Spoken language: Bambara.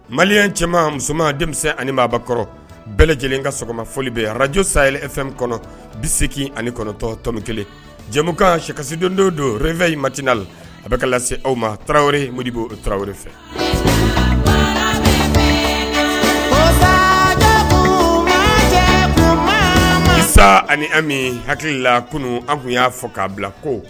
Mali cɛman musoman denmisɛnnin ani maakɔrɔ bɛɛ lajɛlen ka sɔgɔma foli bɛ araj safɛn kɔnɔ bi seegin ani kɔnɔtɔtɔn kelen jɛmukan sikasidondo don fɛ in matiina la a bɛ lase aw ma tarawele mobu tarawele fɛ ani an hakili la kunun an tun y'a fɔ k'a bila ko